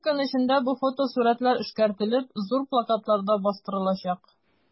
Бер көн эчендә бу фотосурәтләр эшкәртелеп, зур плакатларда бастырылачак.